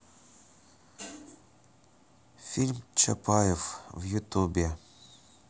фильм чапаев в ютубе